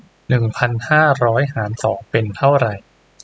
หนึ่งพันห้าร้อยหารสองเป็นเท่าไร